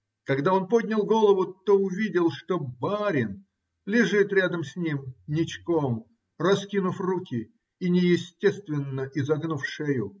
Когда он поднял голову, то увидел, что "барин" лежит рядом с ним ничком, раскинув руки и неестественно изогнув шею.